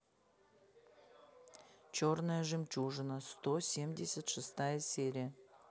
черная жемчужина сто семьдесят шестая серия